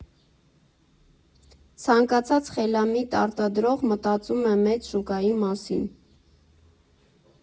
Ցանկացած խելամիտ արտադրող մտածում է մեծ շուկայի մասին։